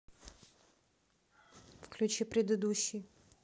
включи предыдущий